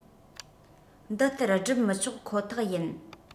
འདི ལྟར སྒྲུབ མི ཆོག ཁོ ཐག ཡིན